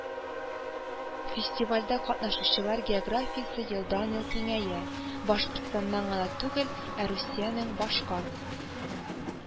Фестивальдә катнашучылар географиясе елдан-ел киңәя, Башкортстаннан гына түгел, ә Русиянең башка